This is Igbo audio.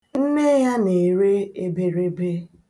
Nne ya na-ere eberebe.